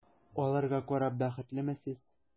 Аларга карап бәхетлеме сез?